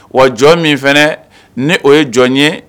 Wa jɔn min fɛnɛ nI o ye jɔn ye